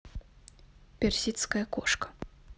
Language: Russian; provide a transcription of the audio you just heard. персидская кошка